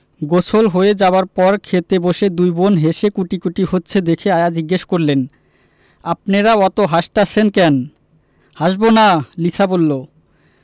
গোসল হয়ে যাবার পর খেতে বসে দুই বোন হেসে কুটিকুটি হচ্ছে দেখে আয়া জিজ্ঞেস করলেন আপনেরা অত হাসতাসেন ক্যান হাসবোনা লিসা বললো